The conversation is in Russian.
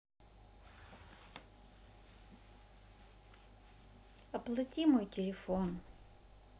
оплати мой телефон